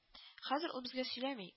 Хәзер ул безгә сөйләми